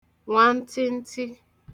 nwantịntị